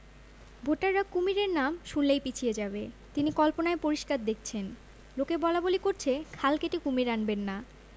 ভোটাররা কুমীরের নাম শুনলেই পিছিয়ে যাবে তিনি কল্পনায় পরিষ্কার দেখছেন লোকে বলাবলি করছে খাল কেটে কুমীর আনবেন না